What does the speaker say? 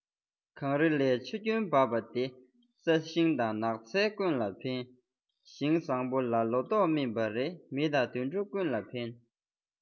གངས རི ནས ཆུ རྒྱུན བབས པ དེ རྩྭ ཤིང དང ནགས ཚལ ཀུན ལ ཕན ཞིང བཟང པོ ལ ལོ ཏོག སྨིན པ རེད མི དང དུད འགྲོ ཀུན ལ ཕན